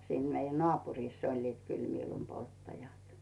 siinä meidän naapurissa olivat kyllä miilunpolttajat